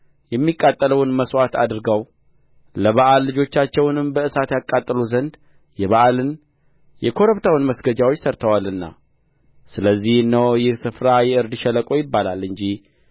የሚቃጠለውን መሥዋዕት አድርገው ለበኣል ልጆቻቸውን በእሳት ያቃጥሉ ዘንድ የበኣልን የኮረብታውን መስገጃዎች ሠርተዋልና ስለዚህ እነሆ ይህ ስፍራ የእርድ ሸለቆ ይባላል እንጂ